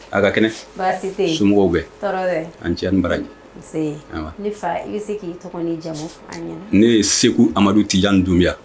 A ka kɛnɛ baasi tɛ yen, somɔgɔw bɛɛ, tɔɔrɔ tɛ, a' cɛ a' ni baraji, nse, ne fa i bɛ se ka i tɔgɔ ni i jamu fɔ an ɲɛna, ne ye Seku Amadu Dunbiya